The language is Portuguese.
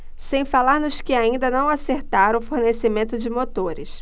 sem falar nos que ainda não acertaram o fornecimento de motores